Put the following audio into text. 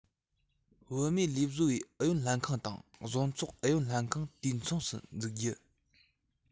བུད མེད ལས བཟོ པའི ཨུ ཡོན ལྷན ཁང དང བཟོ ཚོགས ཨུ ཡོན ལྷན ཁང དུས མཚུངས སུ འཛུགས རྒྱུ